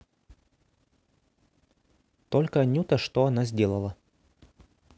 только анюта что она сделала